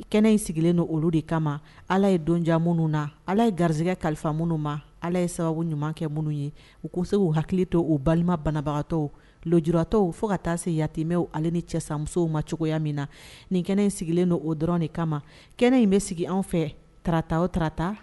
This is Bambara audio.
Kɛnɛ in sigilen don olu de kama ala ye donja minnu na ala ye garisɛgɛ kalifa minnu ma ala ye sababu ɲuman kɛ minnu ye u ko se uu hakili to' u balima banabagatɔ ladiratɔ fo ka taa se yamɛw ale ni cɛmuso ma cogoya min na nin kɛnɛ in sigilen don o dɔrɔn de kama kɛnɛ in bɛ sigi an fɛ tarata o tata